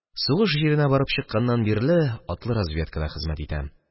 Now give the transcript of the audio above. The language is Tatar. Сугыш җиренә барып чыкканнан бирле, атлы разведкада хезмәт итәм